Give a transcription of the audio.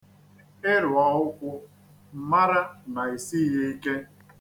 Ị rụọ ụkwụ m mara na i sighi ike.